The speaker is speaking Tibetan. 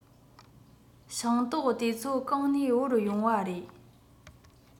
ཤིང ཏོག དེ ཚོ གང ནས དབོར ཡོང བ རེད